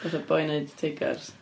Fatha boi wneud teigars?